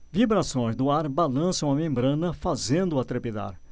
vibrações do ar balançam a membrana fazendo-a trepidar